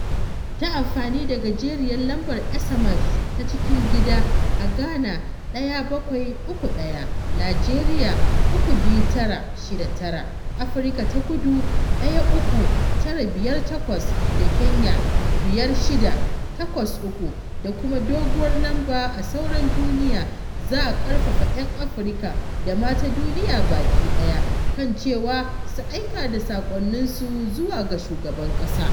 Ta amfani da gajeriyar lambar SMS ta cikin gida a Ghana (1731), Najeriya (32969), Afirka ta Kudu (31958) da Kenya (5683), da kuma doguwar lamba a sauran duniya*, za a ƙarfafa ‘yan Afirka da ma duniya baki ɗaya kan cewa su aika da saƙonninsu zuwa ga Shugaban Ƙasa.